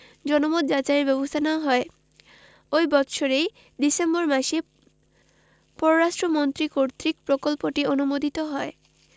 জনমত যাচাইয়ের ব্যবস্থা নেওয়া হয় ঐ বৎসরই ডিসেম্বর মাসে পররাষ্ট্র মন্ত্রী কর্তৃক প্রকল্পটি অনুমোদিত হয়